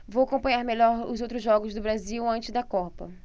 vou acompanhar melhor os outros jogos do brasil antes da copa